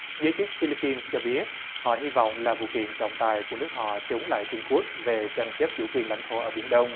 giới chức phi líp pin cho biết họ hy vọng là vụ kiện trọng tài của nước họ chống lại trung quốc về tranh chấp chủ quyền lãnh thổ ở biển đông